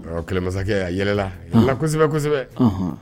Kɛlɛmasa a yɛlɛla kosɛbɛ kosɛbɛ